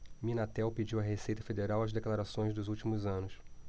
minatel pediu à receita federal as declarações dos últimos anos